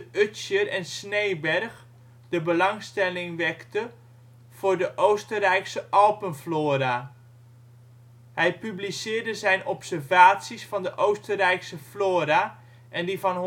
de Ötscher en Schneeberg de belangstelling wekte voor de Oostenrijkse alpenflora. Hij publiceerde zijn observaties van de Oostenrijkse flora en die van